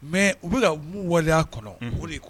Mais u be ka mun waley'a kɔnɔ unhun o de ko